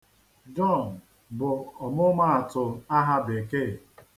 John bụ ọmụmaatụ aha Bekee.